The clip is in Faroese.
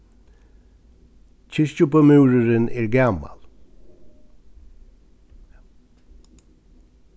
kirkjubømúrurin er gamal